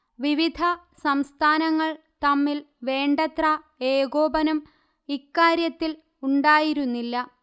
വിവിധ സംസ്ഥാനങ്ങൾ തമ്മിൽ വേണ്ടത്ര ഏകോപനം ഇക്കാര്യത്തിൽ ഉണ്ടായിരുന്നില്ല